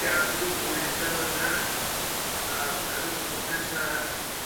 gadw'r lefel yna a yn wthnos nesa